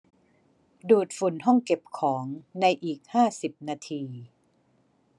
ดูดฝุ่นห้องเก็บของในอีกห้าสิบนาที